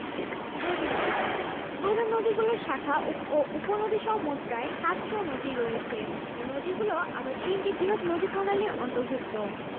জয়পুরহাট জেলার জামালগঞ্জ রেলস্টেশন থেকে ৫ কিলোমিটার পশ্চিমে অবস্থিত এলাকাটি নওগাঁ জেলার বদলগাছি উপজেলার অন্তর্গত মহাস্থান